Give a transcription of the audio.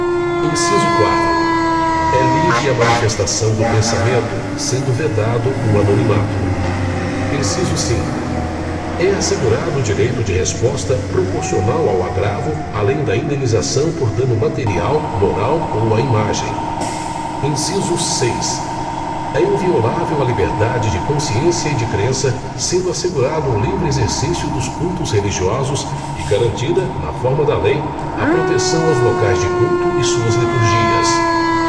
inciso quatro é livre a manifestação do pensamento sendo vedado o anonimato inciso cinco é assegurado o direito de resposta proporcional ao agravo além da indenização por dano material moral ou à imagem inciso seis é inviolável a liberdade de consciência e de crença sendo assegurado o livre exercício dos cultos religiosos e garantida na forma da lei a proteção aos locais de culto e a suas liturgias